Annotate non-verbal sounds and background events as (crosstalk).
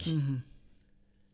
(hesitation) (hesitation)